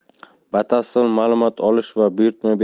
batafsil ma'lumot olish va buyurtma